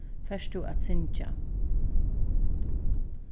fert tú at syngja